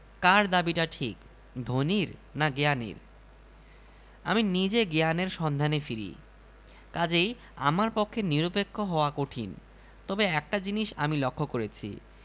সেও তো ওঁর একখানা রয়েছে যেমন স্ত্রী তেমন স্বামী একখানা বই ই তাদের পক্ষে যথেষ্ট অথচ এই বই জিনিসটার প্রকৃত সম্মান করতে জানে ফ্রান্স